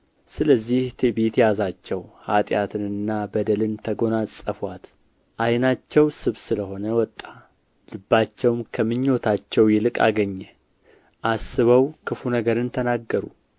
ስለዚህ ትዕቢት ያዛቸው ኃጢአትንና በደልን ተጐናጸፉአት ዓይናቸው ስብ ስለ ሆነ ወጣ ልባቸውም ከምኞታቸው ይልቅ አገኘ አስበው ክፉ ነገርን ተናገሩ